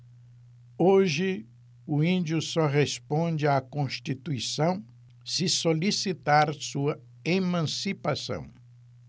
hoje o índio só responde à constituição se solicitar sua emancipação